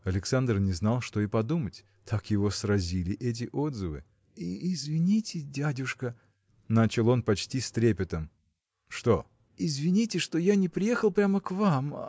Александр не знал, что и подумать – так его сразили эти отзывы. – Извините, дядюшка. – начал он почти с трепетом. – Что? – Извините что я не приехал прямо к вам